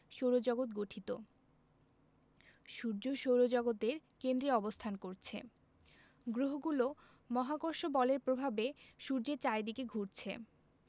সৌরজগৎ গঠিত সূর্য সৌরজগতের কেন্দ্রে অবস্থান করছে গ্রহগুলো মহাকর্ষ বলের প্রভাবে সূর্যের চারদিকে ঘুরছে